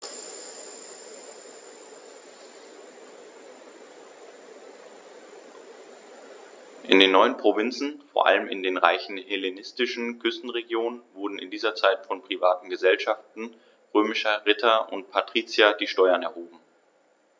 In den neuen Provinzen, vor allem in den reichen hellenistischen Küstenregionen, wurden in dieser Zeit von privaten „Gesellschaften“ römischer Ritter und Patrizier die Steuern erhoben.